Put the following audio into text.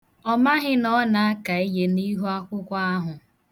Ọ maghị na ọ na-aka ihe n'ihuakwụkwọ ahụ.